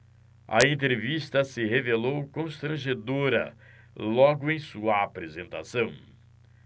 a entrevista se revelou constrangedora logo em sua apresentação